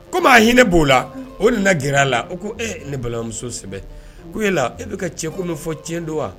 Komi a hinɛ b'o la o nana ka gɛrɛ la la, ko ne balimamuso e bɛ ka cɛ ko min fɔ cɛn don wa?